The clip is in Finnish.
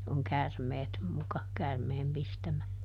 on käärmeet muka käärmeen pistämä